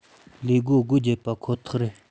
ལས སྒོ སྒོ བརྒྱབ པ ཁོ ཐག རེད